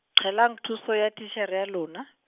qelang thuso ya titjhere ya lona.